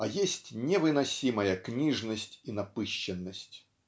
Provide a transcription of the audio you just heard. а есть невыносимая книжность и напыщенность.